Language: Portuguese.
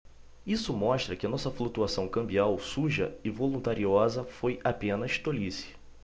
isso mostra que nossa flutuação cambial suja e voluntariosa foi apenas tolice